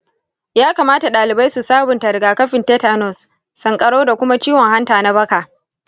ya kamata ɗalibai su sabunta rigakafin tetanus, sankarau, da kuma ciwon hanta na baka.